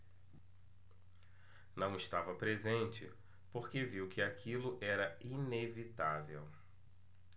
não estava presente porque viu que aquilo era inevitável